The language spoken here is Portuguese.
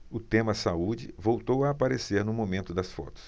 o tema saúde voltou a aparecer no momento das fotos